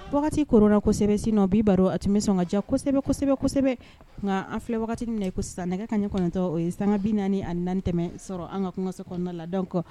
Wagati kola kosɛbɛsɛbɛ nɔ bi baro a tun bɛ sɔn ka ja kosɛbɛ kosɛbɛ kosɛbɛ nka an filɛ wagati na sisan nɛgɛ kaɲɛ kɔnɔntɔ o ye sangabi naani ani naanitɛ sɔrɔ an ka kanso kɔnɔna lada kɔ